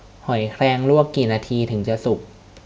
หอยแครงลวกกี่นาทีถึงจะสุก